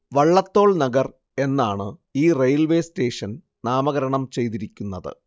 വള്ളത്തോൾ നഗർ എന്നാണ് ഈ railway station നാമകരണം ചെയ്തിരിക്കുന്നത്